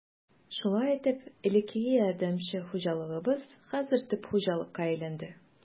Шулай итеп, элеккеге ярдәмче хуҗалыгыбыз хәзер төп хуҗалыкка әйләнде.